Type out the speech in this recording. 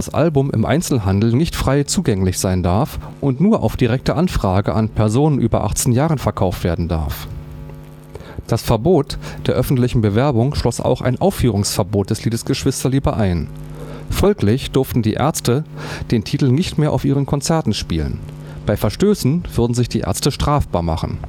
Album im Einzelhandel nicht frei zugänglich sein darf und nur auf direkte Anfrage an Personen über 18 Jahren verkauft werden darf. Das Verbot der öffentlichen Bewerbung schloss auch ein Aufführungsverbot des Liedes „ Geschwisterliebe “ein. Folglich durften die Ärzte den Titel nicht mehr auf ihren Konzerten spielen. Bei Verstößen würden sich Die Ärzte strafbar machen